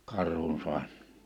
Karhunsaari